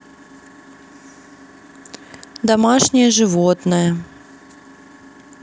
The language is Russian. домашнее животное